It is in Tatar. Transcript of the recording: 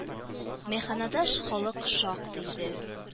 Мәйханәдә халык шактый иде